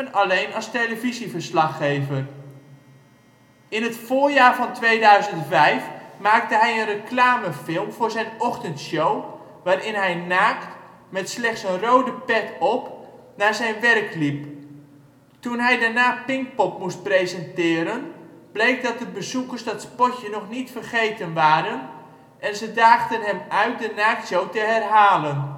alleen als televisieverslaggever. In het voorjaar van 2005 maakte hij een reclamefilm voor zijn ochtendshow, waarin hij naakt (met slechts een rode pet op) naar zijn werk liep. Toen hij daarna Pinkpop moest presenteren, bleek dat de bezoekers dat spotje nog niet vergeten waren en ze daagden hem uit de naaktshow te herhalen